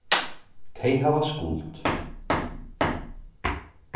tey hava skuld